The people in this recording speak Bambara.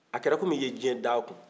a kɛra i komi i ye diɲɛ d'a kun